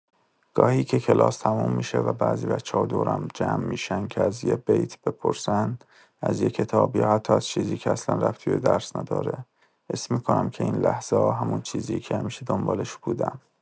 گاهی که کلاس تموم می‌شه و بعضی بچه‌ها دورم جمع می‌شن که از یه بیت بپرسن، از یه کتاب، یا حتی از چیزی که اصلا ربطی به درس نداره، حس می‌کنم که این لحظه‌ها، همون چیزیه که همیشه دنبالش بودم.